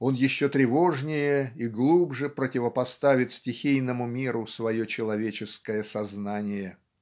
он еще тревожнее и глубже противопоставит стихийному миру свое человеческое сознание.